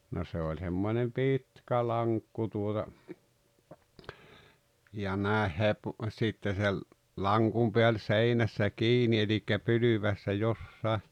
no se oli semmoinen pitkä lankku tuota ja näin - sitten se lankun pää oli seinässä kiinni eli pylväässä jossakin